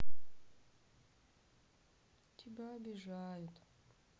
тебя обижают